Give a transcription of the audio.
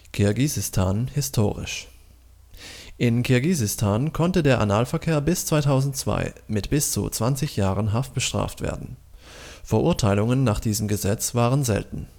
Kirgisistan (historisch) In Kirgisistan konnte der Analverkehr bis 2002 mit bis zu 20 Jahren Haft bestraft werden. Verurteilungen nach diesem Gesetz waren selten